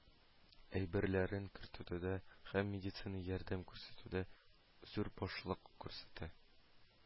Әйберләрен кертүдә һәм медицина ярдәме күрсәтүдә зур булышлык күрсәтә